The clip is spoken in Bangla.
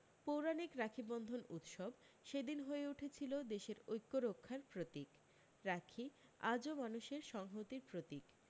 পৌরাণিক রাখিবন্ধন উৎসব সেদিন হয়ে উঠেছিল দেশের ঐক্য রক্ষার প্রতীক রাখি আজও মানুষের সংহতির প্রতীক